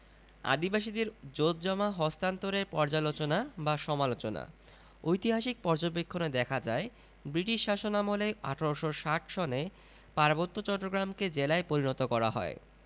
আদিবাসীদের জোতজমা হন্তান্তরের পর্যালোচনা বা সমালোচনা ঐতিহাসিক পর্যবেক্ষনে দেখা যায় বৃটিশ শাসনামলে ১৮৬০ সনে পার্বত্য চট্টগ্রামকে জেলায় পরিণত করা হয়